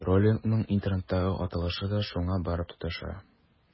Троллингның интернеттагы аталышы да шуңа барып тоташа.